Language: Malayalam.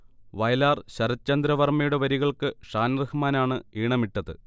വയലാർ ശരത്ചന്ദ്ര വർമയുടെ വരികൾക്ക് ഷാൻ റഹ്മാനാണ് ഈണമിട്ടത്